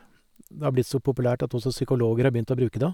Det har blitt så populært at også psykologer har begynt å bruke det.